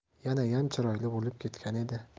yanayam chiroyli bo'lib ketgan edi